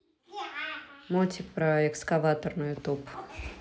мультик про экскаватор на ютуб